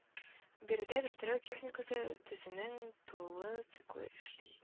Биредә вертолет техникасы төзүнең тулы циклы эшли